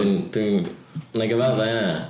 Dwi'n dwi'n... wna i gyfadda hynna.